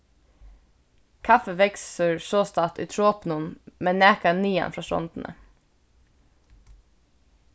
kaffi veksur sostatt í tropunum men nakað niðan frá strondini